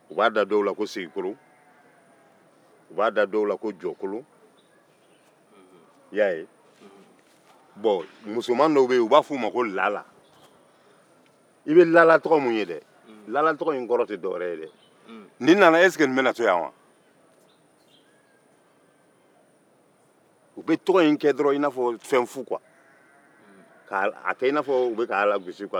u b'a da dɔw la ko segikolon u b'a da dɔw la ko jɔkolon i y'a ye bɔn musoman dɔw bɛ yen u b'a fɔ olu ma ko lala i bɛ lala tɔgɔ minnu ye dɛ lala tɔgɔ in kɔrɔ tɛ dɔwɛrɛ ye dɛ nin nana ɛseke nin bɛna to yan wa u bɛ tɔgɔ in kɛ dɔrɔn i n'a fɔ fɛn fu kuwa k'a kɛ i n'a fɔ u bɛ k'a lagosi kuwa